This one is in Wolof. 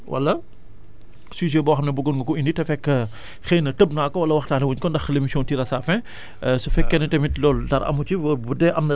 ndax am na loo bëgg a yokk wala sujet boo xam ne bëggoon nga ko indi te fekk xëy na tëb naa ko wala waxtaane wuñ ko ndax l' émission tire à sa fin